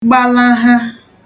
gbalaha